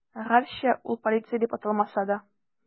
Гәрчә ул полиция дип аталмаса да.